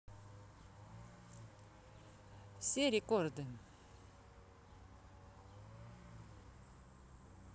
все рекорды